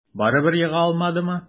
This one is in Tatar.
Барыбер ега алмадымы?